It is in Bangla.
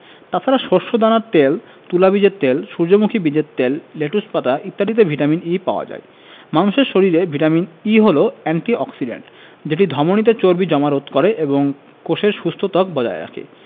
তাছাড়া শস্যদানার তেল তুলা বীজের তেল সূর্যমুখী বীজের তেল লেটুস পাতা ইত্যাদিতে ভিটামিন E পাওয়া যায় মানুষের শরীরে ভিটামিন E হলো এন্টি অক্সিডেন্ট যেটি ধমনিতে চর্বি জমা রোধ করে এবং কোষের সুস্থ ত্বক বজায় রাখে